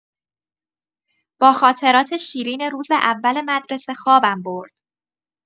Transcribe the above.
با خاطرات شیرین روز اول مدرسه خوابم برد.